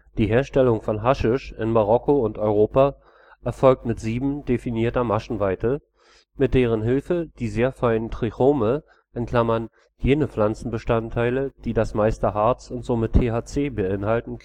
Herstellung von Haschisch in Marokko und Europa erfolgt mit Sieben definierter Maschenweite, mit deren Hilfe die sehr feinen Trichome (jene Pflanzenbestandteile, die das meiste Harz und somit THC beinhalten